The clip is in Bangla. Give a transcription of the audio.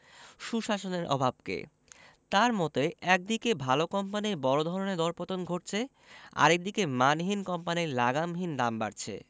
সুশাসনের অভাবকে তাঁর মতে একদিকে ভালো কোম্পানির বড় ধরনের দরপতন ঘটছে আরেক দিকে মানহীন কোম্পানির লাগামহীন দাম বাড়ছে